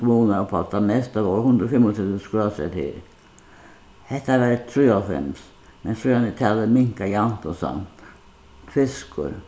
kommunu var upp á tað mesta vóru hundrað og fimmogtretivu skrásett her hetta var í trýoghálvfems men síðan er talið minkað javnt og samt fiskur